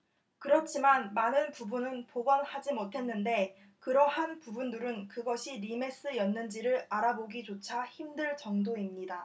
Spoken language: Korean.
그렇지만 많은 부분은 복원하지 못했는데 그러한 부분들은 그것이 리메스였는지를 알아보기조차 힘들 정도입니다